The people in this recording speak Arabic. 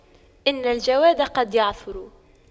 إن الجواد قد يعثر